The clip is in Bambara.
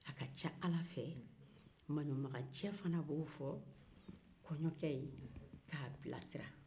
a ka ca ala fe manɲammacɛ fana b'o fɔ kɔɲɔcɛ ye k'a bila